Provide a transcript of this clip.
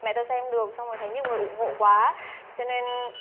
mẹ tôi xem được xong rồi thấy nhiều người ủng hộ quá cho nên